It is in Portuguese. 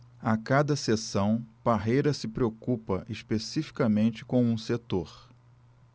a cada sessão parreira se preocupa especificamente com um setor